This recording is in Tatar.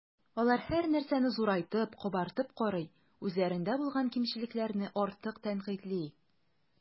Алар һәрнәрсәне зурайтып, “кабартып” карый, үзләрендә булган кимчелекләрне артык тәнкыйтьли.